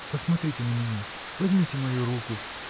Посмотрите на меня, возьмите мою руку.